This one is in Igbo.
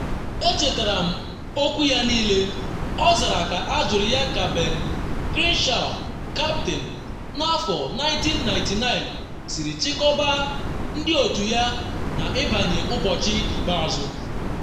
“Echetara m okwu ya niile,” ọ zara ka ajụrụ ya ka Ben Crenshaw kaptịn 1999 siri chịkọba ndị otu ya n’ịbanye ụbọchị ikpeazụ.